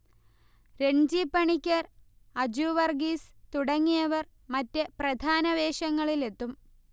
രൺജി പണിക്കർ, അജു വർഗ്ഗീസ് തുടങ്ങിയവർ മറ്റ്പ്രധാന വേഷങ്ങളിലെത്തും